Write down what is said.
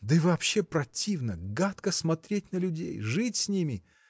Да и вообще противно, гадко смотреть на людей, жить с ними!